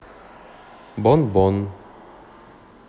bonbon